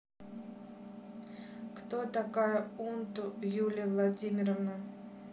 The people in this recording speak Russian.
кто такая унту юлия владимировна